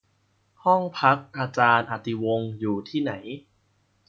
ห้องพักอาจารย์อติวงศ์อยู่ที่ไหน